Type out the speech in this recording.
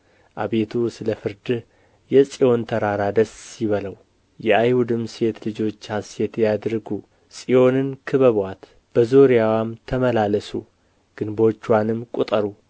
አቤቱ ስለ ፍርድህ የጽዮን ተራራ ደስ ይበለው የአይሁድም ሴት ልጆች ሐሤት ያድርጉ ጽዮንን ክበቡአት በዙሪያዋም ተመላለሱ ግንቦችዋንም ቍጠሩ